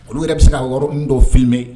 Olu yɛrɛw bɛ sin ka o yɔrɔmin dɔw filmer